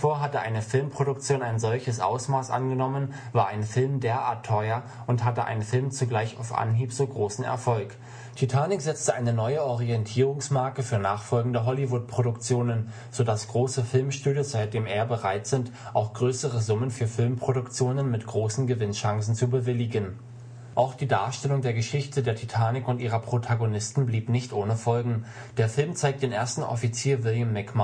hatte eine Filmproduktion ein solches Ausmaß angenommen, war ein Film derart teuer und hatte ein Film zugleich auf Anhieb so großen Erfolg. Titanic setzte eine neue Orientierungsmarke für nachfolgende Hollywood-Produktionen, sodass große Filmstudios seitdem eher bereit sind, auch größere Summen für Filmproduktionen mit großen Gewinnchancen zu bewilligen. Auch die Darstellung der Geschichte der Titanic und ihrer Protagonisten blieb nicht ohne Folgen. Der Film zeigt den ersten Offizier William